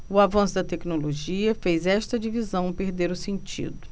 o avanço da tecnologia fez esta divisão perder o sentido